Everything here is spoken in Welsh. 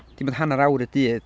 Dim ond hanner awr y dydd...